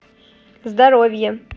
здоровье